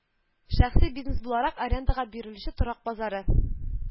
Шәхси бизнес буларак, арендага бирелүче торак базары